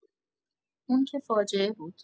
اون که فاجعه بود.